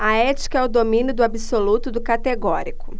a ética é o domínio do absoluto do categórico